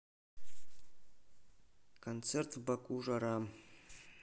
концерт в баку жара